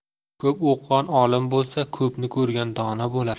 ko'p o'qigan olim bo'lsa ko'pni ko'rgan dono bo'lar